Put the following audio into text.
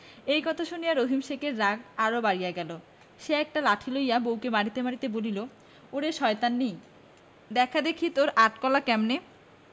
এই কথা শুনিয়া রহিম শেখের রাগ আরও বাড়িয়া গেল সে একটা লাঠি লইয়া বউকে মারিতে মারিতে বলিল ওরে শয়তানী দেখা দেখি তোর আট কলা কেমন